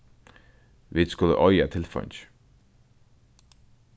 vit skulu eiga tilfeingið